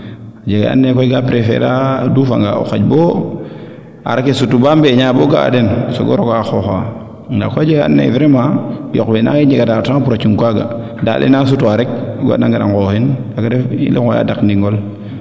a jega we and naye koy ga preferé a o duufa nga o xaƴ boo arake sutu baa mbeñaa bo o ga'a den o soogo roqa xooxa nda koy a jega ka and naye koy vraiment yoq we naange jegeta o temps pour a cung kaaga daand le na sutwaa rek o ga de ngara ngoxin kaaga wiiw we ngooya